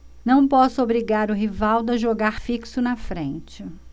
não posso obrigar o rivaldo a jogar fixo na frente